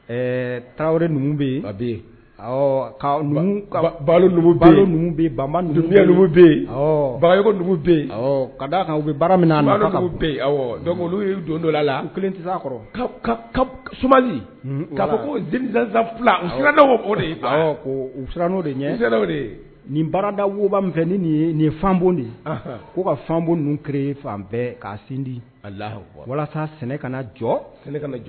Kan min olu don dɔ la kelen tɛ kɔrɔ sabali k' fila'o de de ye nin baaradawoba min fɛ ni ye nin ye fanbon de k' ka fanbon ninnu fan bɛɛ k'a sindi a layi walasa sɛnɛ ka na jɔ